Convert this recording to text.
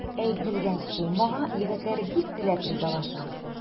Әйтелгән суммага егетләр бик теләп ризалаша.